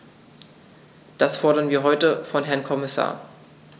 Das fordern wir heute vom Herrn Kommissar.